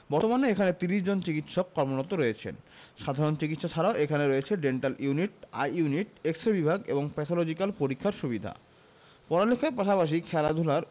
বর্তমানে এখানে ৩০ জন চিকিৎসক কর্মরত রয়েছেন সাধারণ চিকিৎসা ছাড়াও এখানে রয়েছে dental unit eye unit X ray বিভাগ এবং প্যাথলজিক্যাল পরীক্ষার সুবিধা পড়ালেখার পাশাপাশি খেলাধুলার